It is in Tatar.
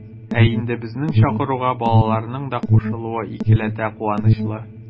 Ә инде безнең чакыруга балаларның да кушылуы икеләтә куанычлы.